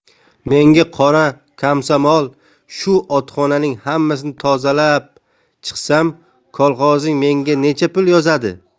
menga qara komsomol shu otxonaning hammasini tozalab chiqsam kolxozing menga necha pul yozadi